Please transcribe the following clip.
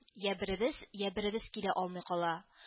Йә беребез, йә беребез килә алмый кала